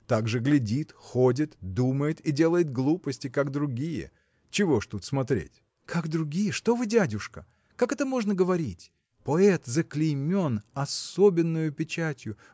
так же глядит, ходит, думает и делает глупости, как другие чего ж тут смотреть?. – Как другие – что вы, дядюшка! как это можно говорить! Поэт заклеймен особенною печатью